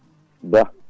Ba